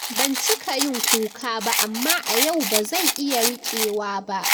Ban cika yin kuka ba amma a yau ba zan iya rikewa ba.